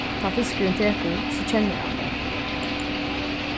tá fiskurin tekur so kennir hann